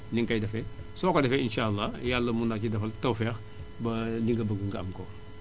li nga koy defee soo ko defee insaa àllaa Yàlla mën na na la si defal taw féex ba li nga bëgg nga am ko